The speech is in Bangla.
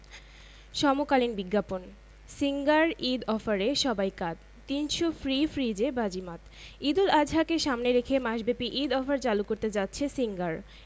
সমকালীন বিজ্ঞাপন সিঙ্গার ঈদ অফারে সবাই কাত ৩০০ ফ্রি ফ্রিজে বাজিমাত ঈদুল আজহাকে সামনে রেখে মাসব্যাপী ঈদ অফার চালু করতে যাচ্ছে সিঙ্গার